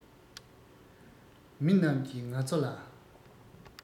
མི རྣམས ཀྱིས ང ཚོ ལ